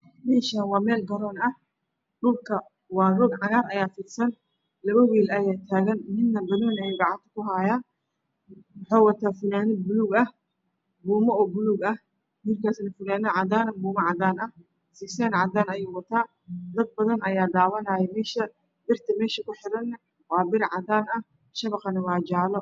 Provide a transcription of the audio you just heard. Meshan waa mel garon ah dhulka rog cagar aya ku fidsan labo wiil aya tagan midna banoni ayuu gacanta ku haya wuxu wata funanad bulug ah bumo bulug ah wilkasna funanad cadan ah iyo bumo cadan ah sigsan cadan ayu wata dad badan aya dawanaya birta mesha ku xiran waa cadan shawaqana waa jaalo